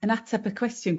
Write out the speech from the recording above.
Yn ateb y cwestiwn...